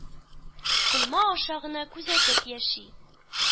Койма аша гына күзәтеп яши.